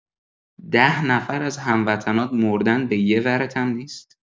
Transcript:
ده نفر از هموطنات مردن به یورتم نیست؟